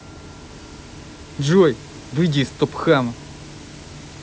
джой выйди из стопхама